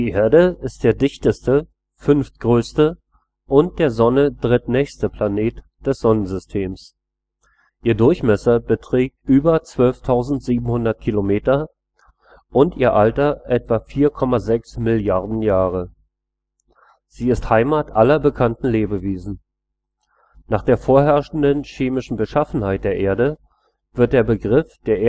Erde ist der dichteste, fünftgrößte und der Sonne drittnächste Planet des Sonnensystems. Ihr Durchmesser beträgt über 12.700 Kilometer und ihr Alter etwa 4,6 Milliarden Jahre. Sie ist Heimat aller bekannten Lebewesen. Nach der vorherrschenden chemischen Beschaffenheit der Erde wird der Begriff der